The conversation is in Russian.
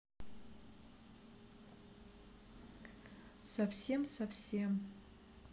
совсем совсем